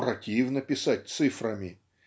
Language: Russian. "противно писать цифрами"